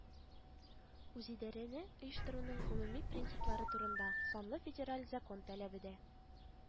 Үзидарәне оештыруның гомум принциплары турында” санлы федераль закон таләбе дә